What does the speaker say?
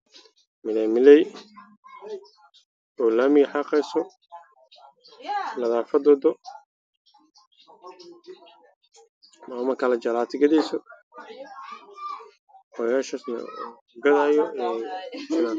Waa maamoyin laami xaaqaayo